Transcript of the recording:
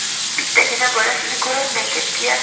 bittagina bolasini ko'rolmay ketdi ya